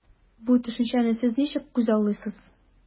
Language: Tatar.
Бу төшенчәне сез ничек күзаллыйсыз?